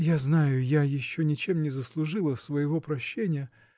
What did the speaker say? -- Я знаю, я еще ничем не заслужила своего прощения